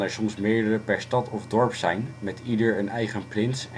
soms meerdere per stad of dorp zijn met ieder een eigen prins